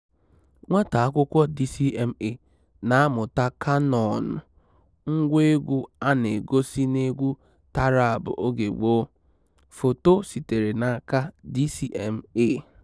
Nwata akwụkwọ DCMA na-amụta kanoon, ngwa egwu a na-egosi n'egwu taarab oge gboo. Foto sitere n'aka DCMA.